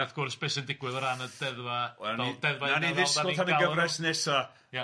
...wrth gwrs beth sy'n digwydd o ran y deddfa wel... Wnawn ni wnawn ni ddisgwyl tan y gyfres nesa